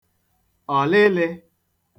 ọ̀lịlị̄